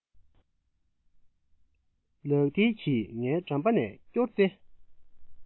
ལག མཐིལ གྱིས ངའི འགྲམ པ ནས བསྐྱོར ཏེ